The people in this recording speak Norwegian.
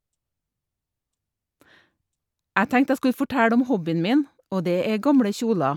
Jeg tenkte jeg skulle fortelle om hobbyen min, og det er gamle kjoler.